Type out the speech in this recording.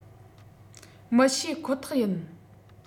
མི བཤད ཁོ ཐག ཡིན